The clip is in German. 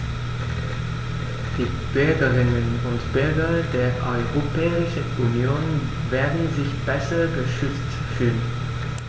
Die Bürgerinnen und Bürger der Europäischen Union werden sich besser geschützt fühlen.